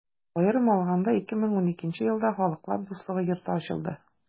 Аерым алаганда, 2012 нче елда Халыклар дуслыгы йорты ачылды.